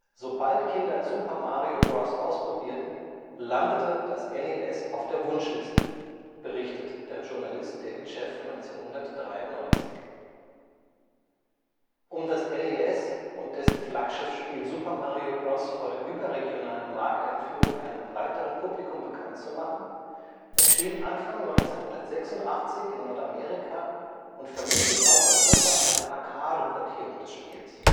Sobald Kinder Super Mario Bros. ausprobierten, landete das NES auf der Wunschliste “(„ Once kids tried Super Mario, Nintendo was put on Christmas lists. “), berichtete der Journalist David Sheff 1993. Um das NES und dessen Flaggschiff-Spiel Super Mario Bros. vor der überregionalen Markteinführung einem breiteren Publikum bekannt zu machen, erschien Anfang 1986 in Nordamerika und vermutlich auch Europa eine Arcade-Portierung des Spiels